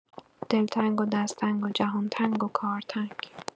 دل‌تنگ و دست‌تنگ و جهان تنگ و کار تنگ.